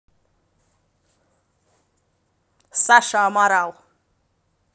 саша аморал